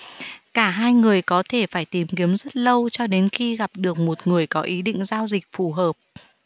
cả hai người có thể phải tìm kiếm rất lâu cho đến khi gặp được một người có ý định giao dịch phù hợp